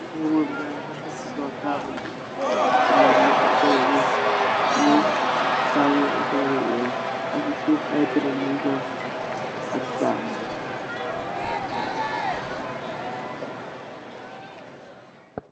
Remoot mbanci kaw tabol bi remoot bi mougui am colar bou nyull taboul bi mougui am colar bou weex ak ci souf perong moung fa ak aye kas.